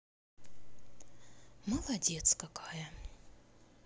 молодец какая